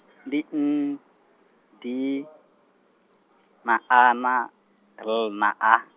ndi N, D, na A na L na A.